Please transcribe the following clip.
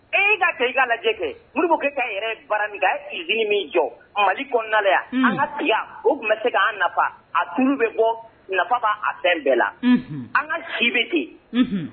E y' ka kɛ i ka lajɛ kɛ morikɛ ka yɛrɛ bara min ye sisiri min jɔ mali kɔnɔnaya an ka ciya o tun bɛ se k an nafa a tu bɛ bɔ nafaba a fɛn bɛɛ la an ka si bɛ ten